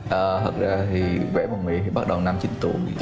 ờ thực ra thì vẽ bằng miệng thì bắt đầu năm chín tuổi